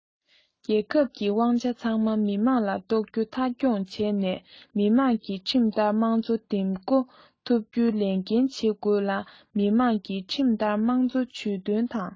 རྒྱལ ཁབ ཀྱི དབང ཆ ཚང མ མི དམངས ལ གཏོགས རྒྱུ མཐའ འཁྱོངས བྱས ནས མི དམངས ཀྱིས ཁྲིམས ལྟར དམངས གཙོ འདེམས བསྐོ ཐུབ རྒྱུའི འགན ལེན བྱེད དགོས ལ མི དམངས ཀྱིས ཁྲིམས ལྟར དམངས གཙོ ཇུས འདོན དང